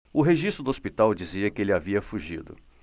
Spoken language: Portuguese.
o registro do hospital dizia que ele havia fugido